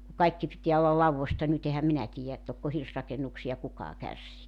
kun kaikki pitää olla laudoista nyt enhän minä tiedä että tokko hirsirakennuksia kukaan kärsii